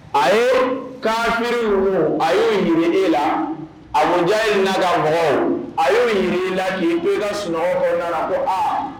A ye kafi wo a y' ɲini e la abonja in na ka bɔ a y'o ɲini la ki ko i ka sunɔgɔ nana ko a